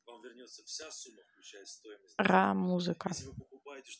ра музыка